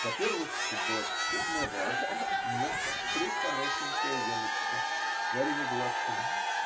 Во-первых, тут была чудная барышня, немка, прехорошенькая веночка с карими глазками.